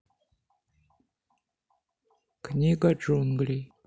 книга джунглей